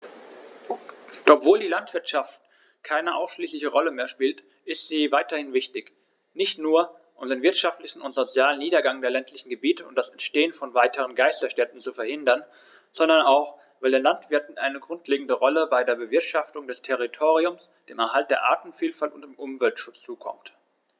Doch obwohl die Landwirtschaft keine ausschließliche Rolle mehr spielt, ist sie weiterhin wichtig, nicht nur, um den wirtschaftlichen und sozialen Niedergang der ländlichen Gebiete und das Entstehen von weiteren Geisterstädten zu verhindern, sondern auch, weil den Landwirten eine grundlegende Rolle bei der Bewirtschaftung des Territoriums, dem Erhalt der Artenvielfalt und dem Umweltschutz zukommt.